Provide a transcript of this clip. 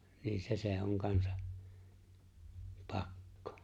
niin se se on kanssa pakko